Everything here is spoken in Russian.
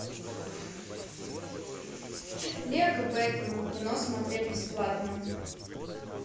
лего бэтмен кино смотреть бесплатно